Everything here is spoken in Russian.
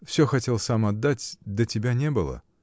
Всё хотел сам отдать, да тебя не было.